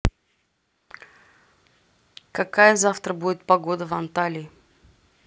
какая завтра будет погода в анталии